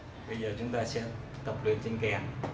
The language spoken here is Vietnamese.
bây giờ chúng ta sẽ tập luyện với kèn